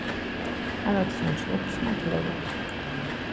hann reiddi songina upp sum hann plagar